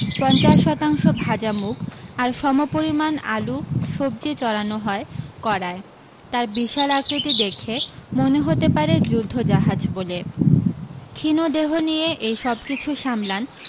পঞ্চাশ শতাংশ ভাজা মুগ আর সমপরিমাণ আলু সবজি চড়ানো হয় কড়ায় তার বিশাল আকৃতি দেখে মনে হতে পারে যুদ্ধজাহাজ বলে ক্ষীণ দেহ নিয়ে এই সবকিছু সামলান